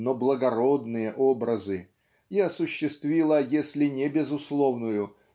но благородные образы и осуществила если не безусловную